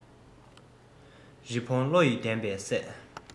རི བོང བློ དང ལྡན པས བསད